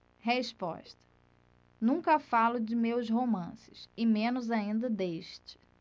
resposta nunca falo de meus romances e menos ainda deste